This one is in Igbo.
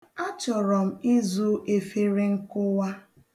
A chọrọ m ịzụ efere nkụwa.